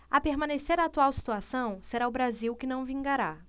a permanecer a atual situação será o brasil que não vingará